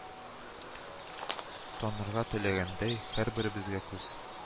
Танарга теләгәндәй, һәрберебезгә күз